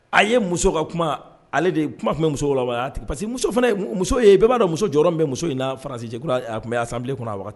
A ye muso ka kuma ale de ye kuma kun be muso walawala a y'a tik parce que muso fɛnɛ ye mu muso ye bɛɛ b'a dɔn muso jɔyɔrɔ min bɛ muso in na France je crois ee a kun be assemblée kunna a waga